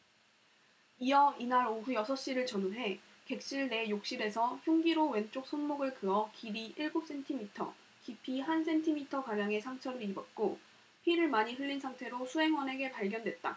이어 이날 오후 여섯 시를 전후해 객실 내 욕실에서 흉기로 왼쪽 손목을 그어 길이 일곱 센티미터 깊이 한 센티미터가량의 상처를 입었고 피를 많이 흘린 상태로 수행원에게 발견됐다